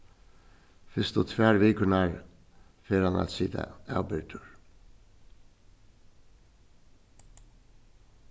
fyrstu tvær vikurnar fer hann at sita avbyrgdur